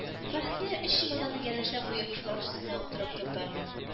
Фәрхия, өч чемоданны янәшә куеп, шулар өстенә утырып торды